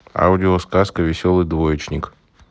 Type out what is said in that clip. аудио сказка веселый двоечник